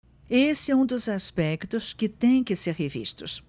esse é um dos aspectos que têm que ser revistos